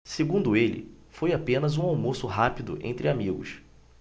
segundo ele foi apenas um almoço rápido entre amigos